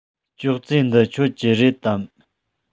ཅོག ཙེ འདི ཁྱོད ཀྱི རེད དམ